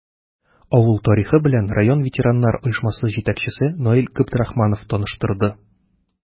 Авыл тарихы белән район ветераннар оешмасы җитәкчесе Наил Габдрахманов таныштырды.